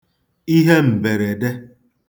ihe m̀bèrède